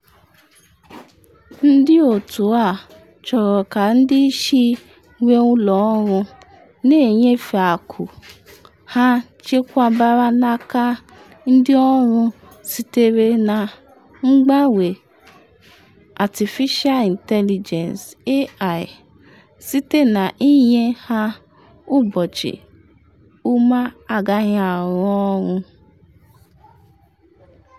Ndị otu a chọrọ ka ndị isi nwe ụlọ ọrụ na-enyefe akụ ha chekwabara n’aka ndị ọrụ siterena mgbanwe artificial intelligence (AI) site na inye ha ụbọchị ụma agaghị arụ ọrụ.